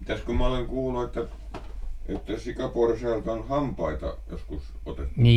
mitäs kun minä olen kuullut että että sikaporsaalta on hampaita joskus otettu